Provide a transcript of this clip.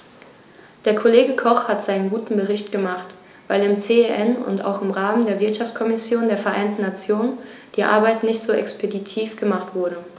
Der Kollege Koch hat seinen guten Bericht gemacht, weil im CEN und auch im Rahmen der Wirtschaftskommission der Vereinten Nationen die Arbeit nicht so expeditiv gemacht wurde.